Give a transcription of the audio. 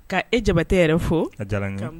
Ka e jaba tɛ yɛrɛ fo a